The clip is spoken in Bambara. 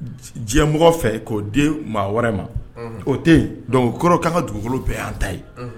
Diɲɛmɔgɔ fɛ k'o den maa wɛrɛ ma o tɛ yen donkoro kan ka dugukolo bɛɛ yan ta ye